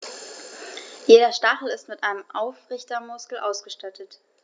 Jeder Stachel ist mit einem Aufrichtemuskel ausgestattet.